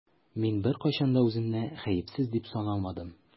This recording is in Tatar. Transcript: Мин беркайчан да үземне гаепсез дип санамадым.